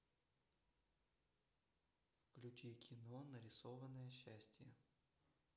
включи кино нарисованное счастье